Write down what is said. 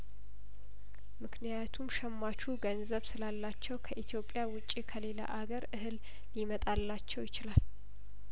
ምክንያቱም ሸማቹ ገንዘብ ስላላቸው ከኢትዮጵያ ውጭ ከሌላ አገር እህል ሊመጣላቸው ይችላል